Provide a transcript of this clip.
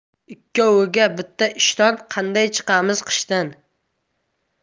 ikkovga bitta ishton qanday chiqamiz qishdan